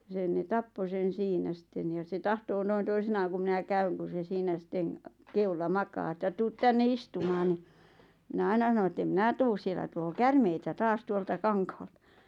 sen ne tappoi sen siinä sitten ja se tahtoo noin toisinaan kun minä käyn kun se siinä sitten kedolla makaa että tule tänne istumaan niin minä aina sanon että en minä tule siellä tulee käärmeitä taas tuolta kankaalta